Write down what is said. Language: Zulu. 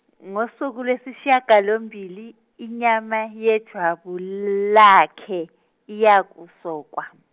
ngosuku lesishiyagalombili inyama yeJwabu lakhe, iyakusokwa.